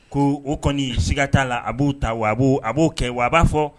Ko o kɔni siga t'a la a b'o ta, wa a b'o kɛ, wa a b'a fɔ